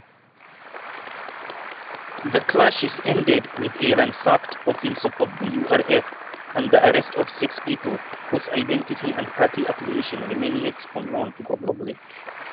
The clashes ended with a ransacked office of the URF and the arrest of six people whose identity and party affiliation remain yet unknown to the public.